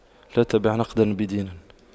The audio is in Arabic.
لا تبع نقداً بدين